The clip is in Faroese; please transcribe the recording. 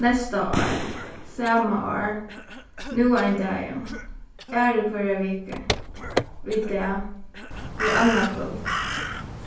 næsta ár sama ár nú ein dagin aðru hvørja viku í dag í annaðkvøld